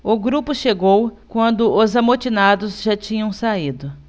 o grupo chegou quando os amotinados já tinham saído